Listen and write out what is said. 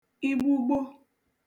igbugbo